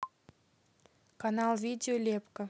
канал видео лепка